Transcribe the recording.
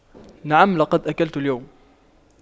نعم لقد أكلت اليوم